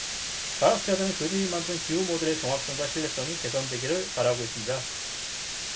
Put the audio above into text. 과학자들은 그들이 만든 기후 모델의 정확성과 신뢰성이 개선되기를 바라고 있습니다